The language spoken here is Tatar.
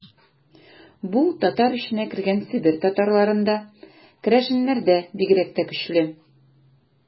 Бу татар эченә кергән Себер татарларында, керәшеннәрдә бигрәк тә көчле.